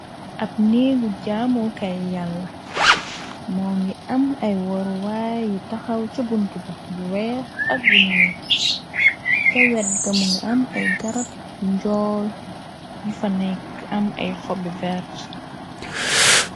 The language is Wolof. Ab neegu jaamo kay yàlla moo ngi am ay waruwaay yu taxaw ca buntba bu weex ak buñuur ca wet gamu nga am ay garab bi njool yu fa nekk am ay xobi verte.